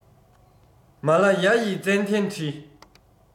མ ལ ཡ ཡི ཙན དན དྲི